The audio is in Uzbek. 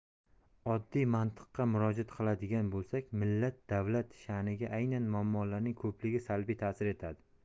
oddiy mantiqqa murojaat qiladigan bo'lsak millat davlat sha'niga aynan muammolarning ko'pligi salbiy ta'sir etadi